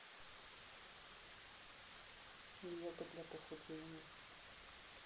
йога для похудения